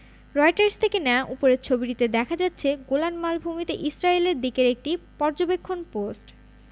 Reuters থেকে নেয়া উপরের ছবিটিতে দেখা যাচ্ছে গোলান মালভূমিতে ইসরায়েলের দিকের একটি পর্যবেক্ষণ পোস্ট